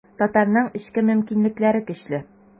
Татарның эчке мөмкинлекләре көчле.